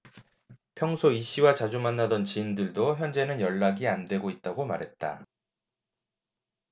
평소 이씨와 자주 만나던 지인들도 현재는 연락이 안되고 있다고 말했다